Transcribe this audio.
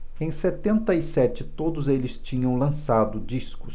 em setenta e sete todos eles tinham lançado discos